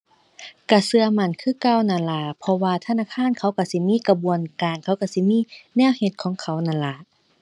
ก็ก็มั่นคือเก่านั่นล่ะ เพราะว่าธนาคารเขาก็สิมีกระบวนการ เขาก็สิมีแนวเฮ็ดของเขานั่นล่ะ